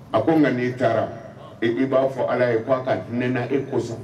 A ko nka n'i taara i b'a fɔ ala ye k'a ka ne na e ko